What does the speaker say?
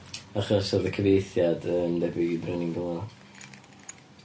Achos o'dd y cyfieithiad yn debyg i